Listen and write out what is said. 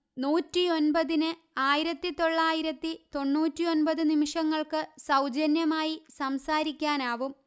നൂറ്റിമുപ്പത്തിയൊന്പതിന് ആയിരത്തി തൊള്ളായിരത്തി തൊണ്ണൂറ്റിയൊന്പത് നിമിഷങ്ങള്ക്ക് സൗജന്യമായി സംസാരിക്കാനാവും